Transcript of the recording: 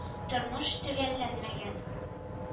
Тормыш төгәлләнмәгән